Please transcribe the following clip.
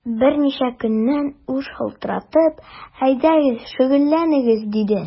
Берничә көннән ул шалтыратып: “Әйдәгез, шөгыльләнегез”, диде.